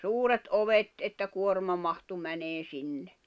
suuret ovet että kuorma mahtui menemään sinne